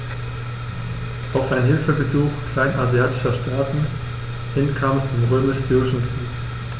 Auf ein Hilfegesuch kleinasiatischer Staaten hin kam es zum Römisch-Syrischen Krieg.